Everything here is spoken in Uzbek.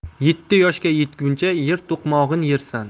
yetti yoshga yetguncha yer to'qmog'in yersan